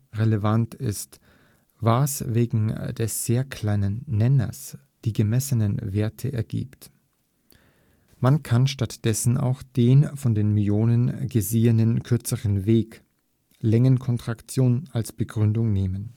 relevant ist, was wegen des sehr kleinen Nenners die gemessenen Werte ergibt. Man kann stattdessen auch den von den Myonen gesehenen kürzeren Weg (Längenkontraktion) als Begründung nehmen